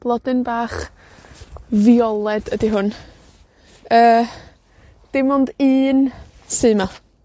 Blodyn bach. Fioled ydi hwn, yy, dim ond un sy 'ma.